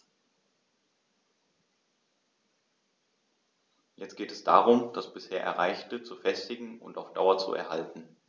Jetzt geht es darum, das bisher Erreichte zu festigen und auf Dauer zu erhalten.